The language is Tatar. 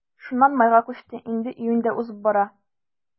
Шуннан майга күчте, инде июнь дә узып бара.